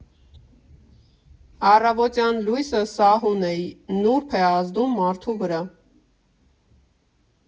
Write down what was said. Առավոտյան լույսը սահուն է, նուրբ է ազդում մարդու վրա։